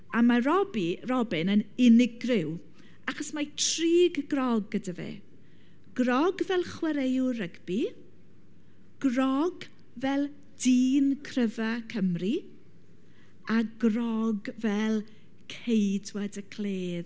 A ma' Robby Robin yn unigryw achos mae tri grogg gyda fe. grogg fel chwaraewr rygbi, grogg fel dyn cryfa Cymru a grog fel ceidwad y cledd.